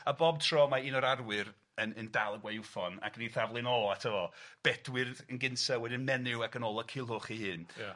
A bob tro mae un o'r arwyr yn yn dal y gwaywffon ac yn 'i thaflu nôl ato fo bedwyr yn gynta, wedyn Menyw ac yn ola Culhwch 'i hun. Ia.